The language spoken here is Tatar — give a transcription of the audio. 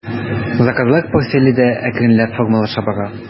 Заказлар портфеле дә акрынлап формалаша бара.